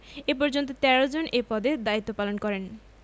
এ পর্যন্ত ১৩ জন এ পদে দায়িত্বপালন করেন